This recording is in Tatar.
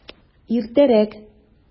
Иртәрәк!